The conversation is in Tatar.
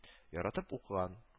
Яратып укыган